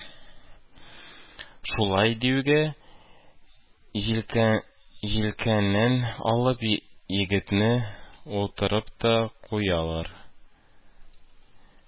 Шулай диюгә, җилкәннән алып, егетне утыртып та куялар